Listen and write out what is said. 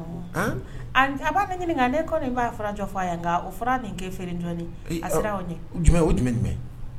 Jumɛn